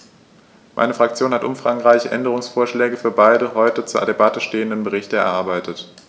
Meine Fraktion hat umfangreiche Änderungsvorschläge für beide heute zur Debatte stehenden Berichte erarbeitet.